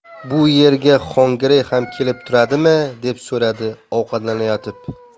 bu yerga xongirey ham kelib turadimi deb so'radi ovqatlanayotib